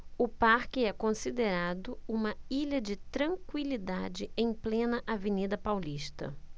o parque é considerado uma ilha de tranquilidade em plena avenida paulista